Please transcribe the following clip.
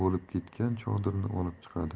bo'lib ketgan chodirni olib chiqadi